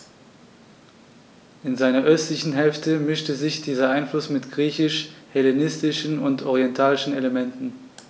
In seiner östlichen Hälfte mischte sich dieser Einfluss mit griechisch-hellenistischen und orientalischen Elementen.